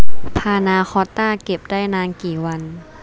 พานาคอตต้าเก็บได้นานกี่วัน